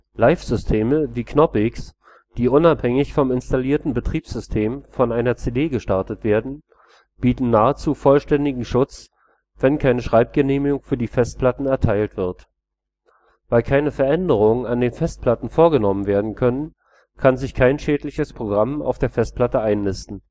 Live-Systeme wie Knoppix, die unabhängig vom installierten Betriebssystem von einer CD gestartet werden, bieten nahezu vollständigen Schutz, wenn keine Schreibgenehmigung für die Festplatten erteilt wird. Weil keine Veränderungen an Festplatten vorgenommen werden können, kann sich kein schädliches Programm auf der Festplatte einnisten